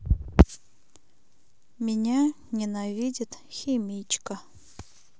меня ненавидит химичка